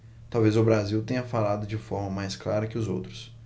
talvez o brasil tenha falado de forma mais clara que os outros